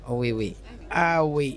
Aw we ha we